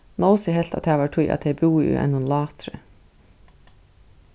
nósi helt at tað var tí at tey búðu í einum látri